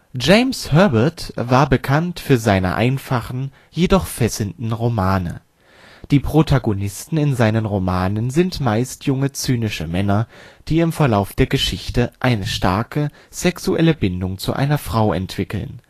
James Herbert war bekannt für seine einfachen, jedoch fesselnden Romane. Die Protagonisten in seinen Romanen sind meistens junge zynische Männer, die im Verlauf der Geschichte eine starke (sexuelle) Beziehung zu einer Frau entwickeln